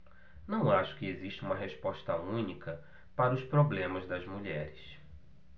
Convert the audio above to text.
não acho que exista uma resposta única para os problemas das mulheres